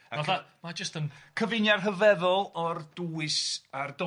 ...Ma' fatha ma' jyst yn... Cyfuniad rhyfeddol o'r dwys a'r doniol hefyd de...